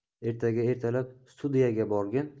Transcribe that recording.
ertaga ertalab studiyaga borgin